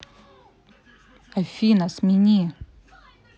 афина смени